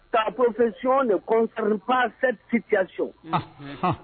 Ta profession ne construit pas cette situation anhan unhun